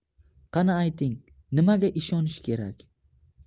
qani ayting nimaga ishonish kerak